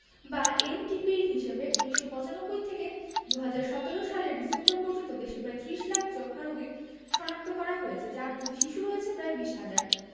বা এনটিপির হিসেবে ১৯৯৫ থেকে ২০১৭ সালের ডিসেম্বর পর্যন্ত দেশে প্রায় ৩০ লাখ যক্ষ্মা রোগী শনাক্ত করা হয়েছে যার মধ্যে শিশু রয়েছে প্রায় ২০ হাজার